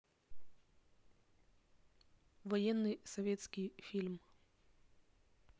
военный советский фильм